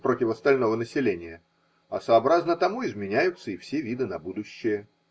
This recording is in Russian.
) против остального населения, а сообразно тому изменяются и все виды на будущее.